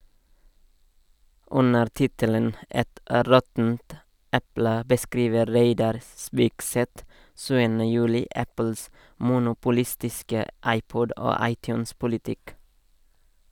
Under tittelen «Et råttent eple» beskriver Reidar Spigseth 7. juli Apples monopolistiske iPod- og iTunes-politikk.